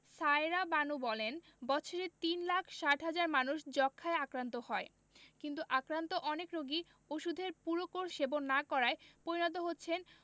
সায়েরা বানু বলেন বছরে তিন লাখ ৬০ হাজার মানুষ যক্ষ্মায় আক্রান্ত হয় কিন্তু আক্রান্ত অনেক রোগী ওষুধের পুরো কোর্স সেবন না করায় পরিণত হচ্ছেন